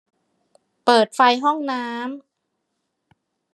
เปิดไฟห้องน้ำ